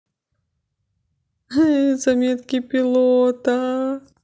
заметки пилота